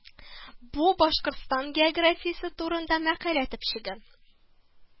Бу Башкортстан географиясе турында мәкалә төпчеге